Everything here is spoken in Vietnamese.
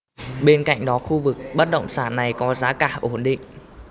bên cạnh đó khu vực bất động sản này có giá cả ổn định